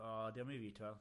O, 'di o'm i fi t'wel.